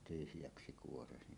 tyhjäksi kuoraisi